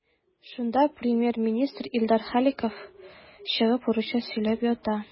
Шунда премьер-министр Илдар Халиков чыгып урысча сөйләп ята.